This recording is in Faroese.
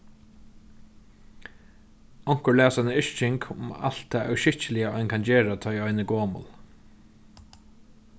onkur las eina yrking um alt tað óskikkiliga ein kann gera tá ið ein er gomul